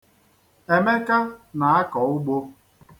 Emeka na-akọ ugbo.